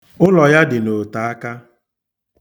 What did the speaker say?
Ụlọ ya dị n'otaaka.